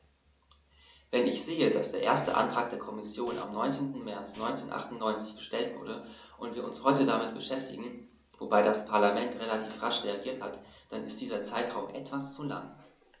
Wenn ich sehe, dass der erste Antrag der Kommission am 19. März 1998 gestellt wurde und wir uns heute damit beschäftigen - wobei das Parlament relativ rasch reagiert hat -, dann ist dieser Zeitraum etwas zu lang.